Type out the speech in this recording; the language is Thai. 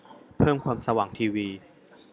เพิ่มความสว่างทีวี